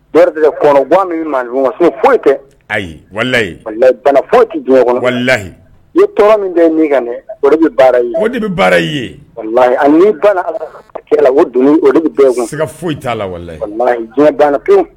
Foyi ayi waliyilayi i kɔrɔ min bɛ min ka o de bɛ baara ani bala o o bɛ se ka foyi la